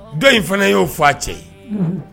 Dɔ in fana y'o fɔ a cɛ ye